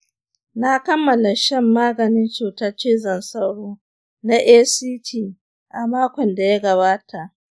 na kammala shan maganin cutar cizon sauro na act a makon da ya gabata.